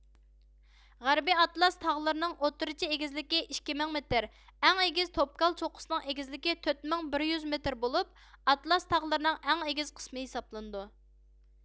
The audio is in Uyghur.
غەربىي ئاتلاس تاغلىرىنىڭ ئوتتۇرىچە ئېگىزلىكى ئىككى مىڭ مېتر ئەڭ ئېگىز توبكال چوققىسىنىڭ ئېگىزلىكى تۆت مىڭ بىر يۈز مېتر بولۇپ ئاتلاس تاغلىرىنىڭ ئەڭ ئېگىز قىسمى ھېسابلىنىدۇ